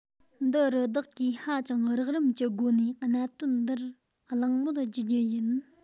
འདི རུ བདག གིས ཧ ཅང རགས རིམ གྱི སྒོ ནས གནད དོན འདིར གླེང མོལ བགྱི རྒྱུ ཡིན